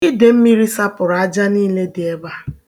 Ide mmiri sapụrụ aja niile dị ebe a